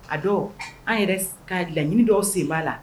A dɔn an yɛrɛ ka laɲini dɔw sen b'a la.